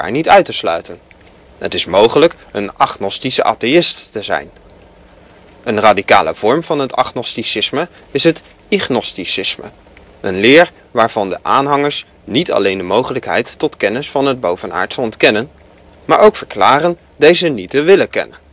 niet uit te sluiten, het is mogelijk een ' agnostische atheïst ' te zijn. Een radicale vorm van het agnosticisme is het Ignosticisme, een leer waarvan de aanhangers niet alleen de mogelijkheid tot kennis van het bovenaardse ontkennen, maar ook verklaren deze niet te willen kennen